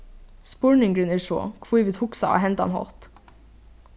spurningurin er so hví vit hugsa á hendan hátt